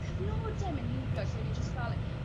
cyfnode myn' heibio lle o'n i jyst fel